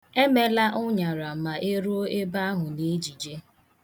Emela ụṅara ma eruo ebe ahụ n'ejije.